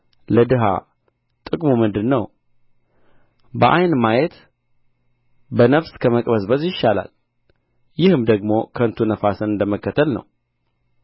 ለድሀ ጥቅሙ ምንድር ነው በዓይን ማየት በነፍስ ከመቅበዝበዝ ይሻላል ይህም ደግሞ ከንቱ ነፋስንም እንደ መከተል ነው